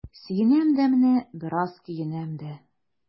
Сөенәм дә менә, бераз көенәм дә.